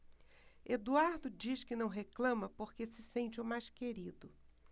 eduardo diz que não reclama porque se sente o mais querido